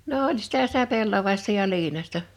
no oli sitä sitä pellavaista ja liinaista